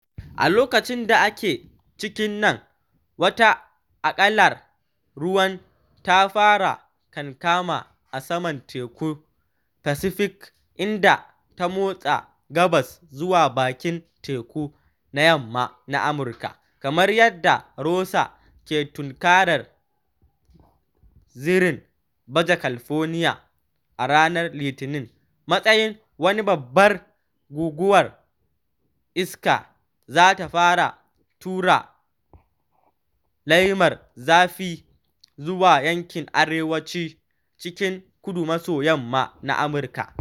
A lokacin da ake cikin nan, wata akalar ruwan ta fara kankama a saman Tekun Pacific inda ta motsa gabas zuwa Bakin Teku na Yamma na Amurka. Kamar yadda Rosa ke tunkaran zirin Baja California a ranar Litinin a matsayin wani babbar guguwar iska za ta fara tura laimar zafi zuwa yankin arewaci cikin kudu-maso-yamma na Amurka.